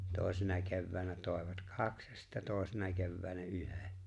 toisena keväänä toivat kaksi ja sitten toisena keväänä yhden